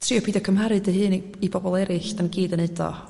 trio peidio cymharu dy hun i i bobol erill 'da ni gyd yn neud o